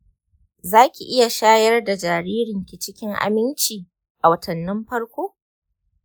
zaki iya shayar da jaririnki cikin aminci a watannin farko.